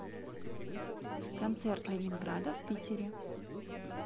концерт ленинграда в питере